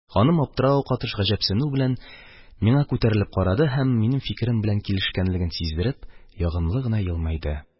Ханым аптырау катыш гаҗәпсенү белән миңа күтәрелеп карады һәм, минем фикерем белән килешкәнлеген сиздереп, ягымлы гына елмайды.